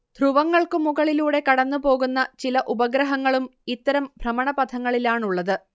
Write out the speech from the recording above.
ധ്രുവങ്ങൾക്കു മുകളിലൂടെ കടന്നുപോകുന്ന ചില ഉപഗ്രഹങ്ങളും ഇത്തരം ഭ്രമണപഥങ്ങളിലാണുള്ളതു്